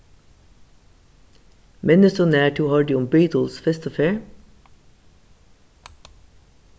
minnist tú nær tú hoyrdi um beatles fyrstu ferð